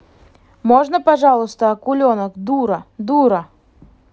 можно пожалуйста акуленок дура дура